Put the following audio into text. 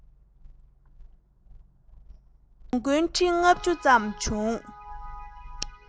གྱོང གུན ཁྲི ལྔ བཅུ ཙམ བྱུང